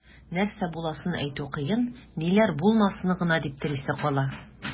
Нәрсә буласын әйтү кыен, ниләр булмасын гына дип телисе кала.